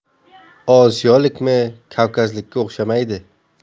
osiyolikmi kavkazlikka o'xshamaydi